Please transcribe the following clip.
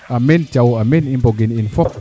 amiin Thiaw amiin i mbogin ino fop